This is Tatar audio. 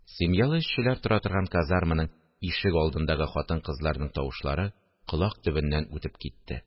Семьялы эшчеләр тора торган казарманың ишегалдындагы хатын-кызларның тавышлары колак төбеннән үтеп китте